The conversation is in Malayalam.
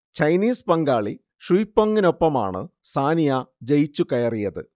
ചൈനീസ് പങ്കാളി ഷുയ് പെങ്ങിനൊപ്പമാണ് സാനിയ ജയിച്ചുകയറിയത്